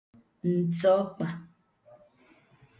ǹtzọ̀ọkpà